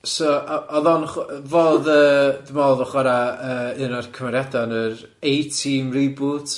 So o- o'dd o'n ch- yy fo o'dd yy dw i'n mewl o'dd o'n chwara yy un o'r cymeriada yn yr A-Team reboot.